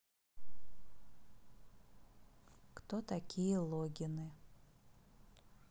кто такие логины